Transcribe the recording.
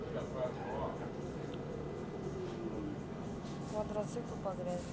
квадроциклы по грязи